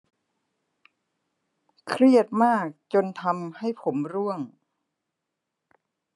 เครียดมากจนทำให้ผมร่วง